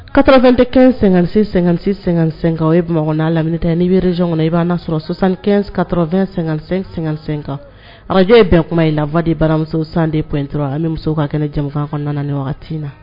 95 56 56 55 o ye Bamakɔ n'a lamini ta n'i bɛ région kɔnɔ i b'a an lasɔrɔ 75 80 55 55 radio ye bɛnkuma ye lavoie de Baramuso 102.3 an bɛ musow ka kɛnɛ jɛmukan kɔnɔna na ni wagati